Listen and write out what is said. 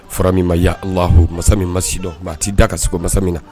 Fura min ma ya lah masa min ma sidɔn a a'i da ka sogo masa min na